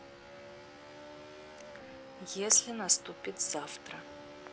если наступит завтра